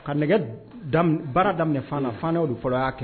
Ka nɛgɛ baara daminɛ fana na fanaw de fɔlɔ y'a kɛ